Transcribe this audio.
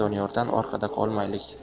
doniyordan orqada qolmaylik